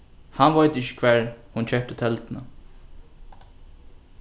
hann veit ikki hvar hon keypti telduna